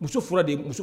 Muso fɔlɔ